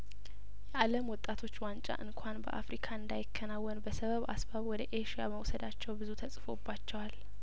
የአለም ወጣቶች ዋንጫ እንኳን በአፍሪካ እንዳይከናወን በሰበብ አስባብ ወደ ኤሽያ በመውሰዳቸው ብዙ ተጽፎባቸዋል